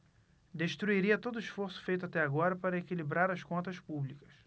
destruiria todo esforço feito até agora para equilibrar as contas públicas